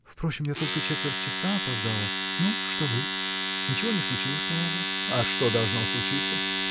— Впрочем, я только четверть часа опоздала. Ну, что вы? ничего не случилось нового? — А что должно случиться?